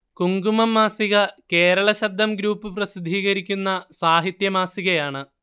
കുങ്കുമം മാസികകേരള ശബ്ദം ഗ്രൂപ്പ് പ്രസിദ്ധീകരിക്കുന്ന സാഹിത്യ മാസികയാണ്